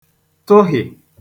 tụhị̀